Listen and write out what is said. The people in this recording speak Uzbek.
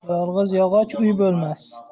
yolg'iz yog'och uy bo'lmas